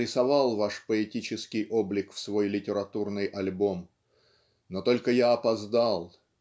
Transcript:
зарисовал Ваш поэтический облик в свой литературный альбом. Но только я опоздал